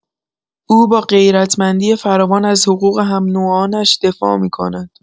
او با غیرتمندی فراوان از حقوق هم‌نوعانش دفاع می‌کند.